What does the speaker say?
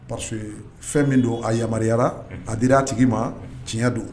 Parce fɛn min don a yamaruyayara a di a tigi ma tiɲɛ don